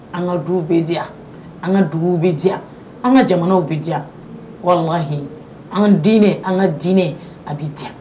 An ka duw bɛ di an ka duguw bɛ diya an ka jamanaw bɛ diya walimahi an diinɛ an ka diinɛ a bɛ diya